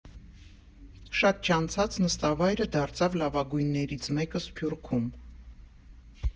Շատ չանցած նստավայրը դարձավ լավագույններից մեկը Սփյուռքում։